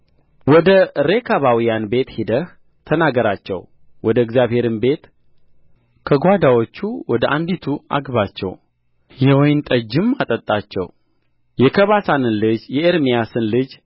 ወደ ሬካባውያን ቤት ሄደህ ተናገራቸው ወደ እግዚአብሔርም ቤት ከጓዳዎቹ ወደ አንዲቱ አግባቸው የወይን ጠጅም አጠጣቸው የከባስንን ልጅ የኤርምያስን ልጅ